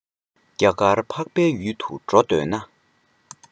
རྒྱ གར འཕགས པའི ཡུལ དུ འགྲོ འདོད ན